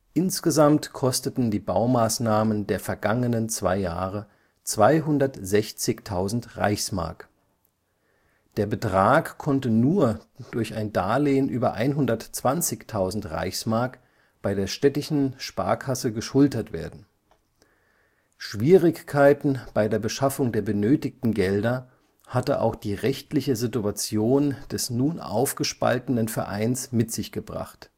Insgesamt kosteten die Baumaßnahmen der vergangenen zwei Jahre 260.000 Reichsmark. Der Betrag konnte nur durch ein Darlehen über 120.000 RM bei der städtischen Sparkasse geschultert werden. Schwierigkeiten bei der Beschaffung der benötigten Gelder hatte auch die rechtliche Situation des nun aufgespalteten Vereins mit sich gebracht